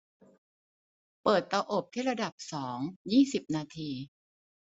เปิดเตาอบที่ระดับสองยี่สิบนาที